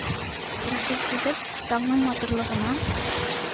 Җитез егет, таңның матурлыгына,